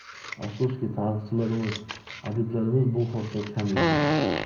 afsuski tarixchilarimiz adiblarimiz bu haqda kam yozadi